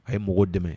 A ye mɔgɔw dɛmɛ